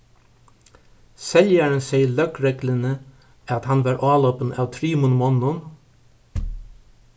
seljarin segði løgregluni at hann varð álopin av trimum monnum